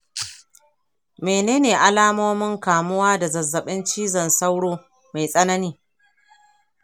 mene ne alamomin kamuwa da zazzaɓin cizon sauro mai tsanani